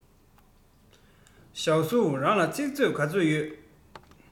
ཞའོ སུའུ རང ལ ཚིག མཛོད ག ཚོད ཡོད